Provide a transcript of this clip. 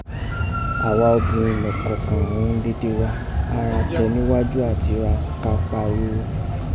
Àwa obìnrẹn nọ́kọ̀ọ̀kan òghun dede wa, a ra tẹ̀nígwájú áti ra ka pariwo.